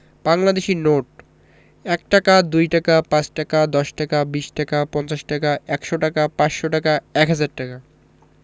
বাংলাদেশি নোটঃ ১ টাকা ২ টাকা ৫ টাকা ১০ টাকা ২০ টাকা ৫০ টাকা ১০০ টাকা ৫০০ টাকা ১০০০ টাকা